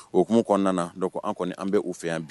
O kumu kɔnɔna an kɔni an bɛ' u fɛ yan